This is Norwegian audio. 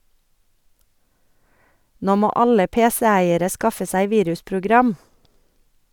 Nå må alle pc-eiere skaffe seg virusprogram!